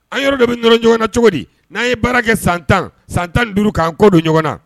An yɔrɔ dɔ bɛ nɔnɔ ɲɔgɔn na cogo di, n'an ye baara kɛ san tan san tan ni duuru k'an kɔ don ɲɔgɔn na